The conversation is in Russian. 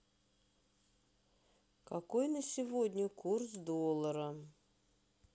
какой на сегодня курс доллара